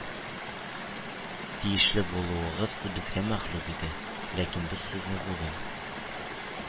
Тиешле булуыгыз безгә мәгълүм иде, ләкин без сезне бүген